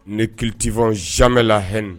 Ne kitip zme la h